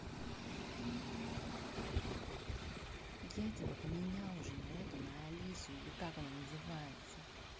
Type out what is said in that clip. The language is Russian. я тебя поменял уже на эту на алису или как она называется